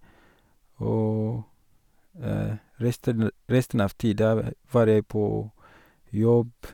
Og resten resten av tida ve var jeg på jobb.